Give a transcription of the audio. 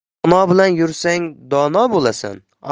dono bilan yursang dono bo'lasan